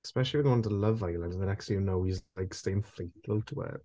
Especially with the ones in Love Island. The next thing you know he's like, staying faithful to her.